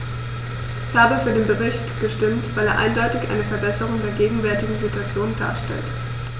Ich habe für den Bericht gestimmt, weil er eindeutig eine Verbesserung der gegenwärtigen Situation darstellt.